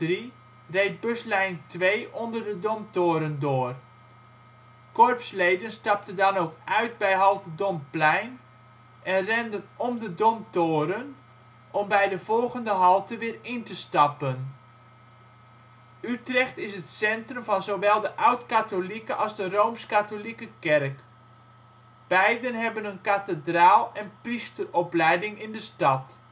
2003 reed buslijn 2 onder de Domtoren door. Corpsleden stapten dan ook uit bij halte Domplein en renden om de Domtoren, om bij de volgende halte weer in te stappen. Utrecht is het centrum van zowel de oudkatholieke als de rooms-katholieke kerk. Beide hebben een kathedraal en priesteropleiding in de stad